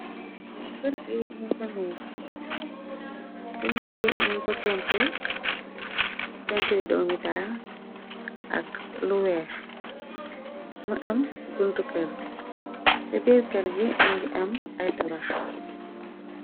ci miir bi ñuñ ko pentir pentiri domitaar ak lu weex më am buntu kër ci biir kër gi mi ngi am ay tabax